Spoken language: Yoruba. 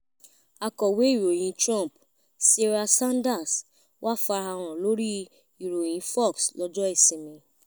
Àkọ̀wé ìròyǹ Trump, Sarah Sanders, wà farahàn lórí ìòyìn Fox l’ọ́jọ́ Ìsinmi.